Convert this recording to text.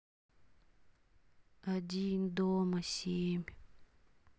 один дома семь